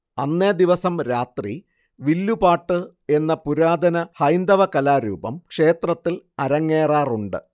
അന്നേദിവസം രാത്രി വില്ലുപാട്ട് എന്ന പുരാതന ഹൈന്ദവകലാരൂപം ക്ഷേത്രത്തിൽ അരങ്ങേറാറുണ്ട്